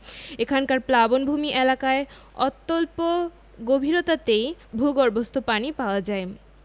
এখানকার প্লাবনভূমি এলাকায় অত্যল্প গভীরতাতেই ভূগর্ভস্থ পানি পাওয়া যায়